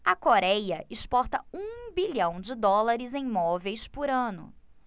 a coréia exporta um bilhão de dólares em móveis por ano